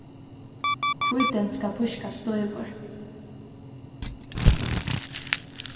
hvítin skal pískast stívur